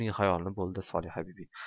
uning xayolini bo'ldi solihabibi